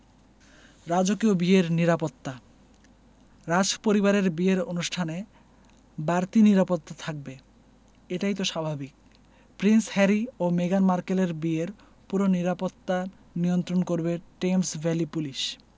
রাজকীয় বিয়ের নিরাপত্তা রাজপরিবারের বিয়ের অনুষ্ঠানে বাড়তি নিরাপত্তা থাকবে এটাই তো স্বাভাবিক প্রিন্স হ্যারি ও মেগান মার্কেলের বিয়ের পুরো নিরাপত্তা নিয়ন্ত্রণ করবে টেমস ভ্যালি পুলিশ